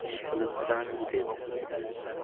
ish qilibsan dedi